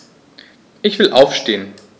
Ich will aufstehen.